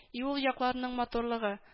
И ул якларның матурлыгы